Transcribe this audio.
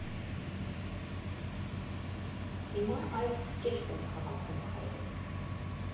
Հիմա այլ կերպ եմ քաղաքում քայլում։